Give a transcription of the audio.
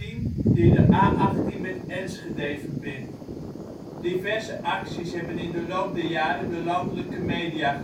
de N18, die de A18 met Enschede verbindt). Diverse acties hebben in de loop der jaren de landelijke media gehaald